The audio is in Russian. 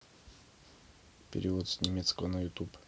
перевод с немецкого на ютуб